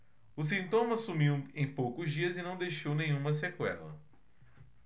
o sintoma sumiu em poucos dias e não deixou nenhuma sequela